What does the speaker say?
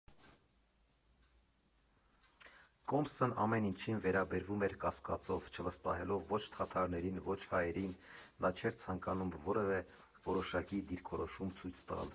Կոմսն ամեն ինչին վերաբերվում էր կասկածով՝ չվստահելով ո՛չ թաթարներին, ո՛չ հայերին, նա չէր ցանկանում որևէ որոշակի դիրքորոշում ցույց տալ։